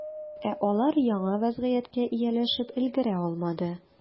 Ә алар яңа вәзгыятькә ияләшеп өлгерә алмады.